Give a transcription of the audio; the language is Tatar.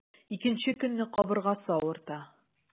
Икенче көнне кабыргасы авырта.